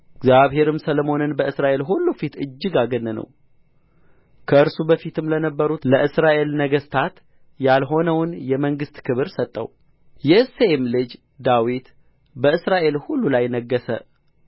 እግዚአብሔርም ሰሎሞንን በእስራኤል ሁሉ ፊት እጅግ አገነነው ከእርሱ በፊትም ለነበሩት ለእስራኤል ነገሥታት ያልሆነውን የመንግሥት ክብር ሰጠው የእሴይም ልጅ ዳዊት በእስራኤል ሁሉ ላይ ነገሠ